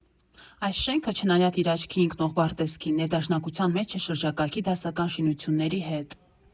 Այս շենքը, չնայած իր աչքի ընկնող վառ տեսքին, ներդաշնակության մեջ է շրջակայքի դասական շինությունների հետ։